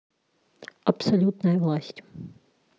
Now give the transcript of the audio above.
абсолютная власть